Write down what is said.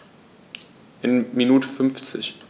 Eine Minute 50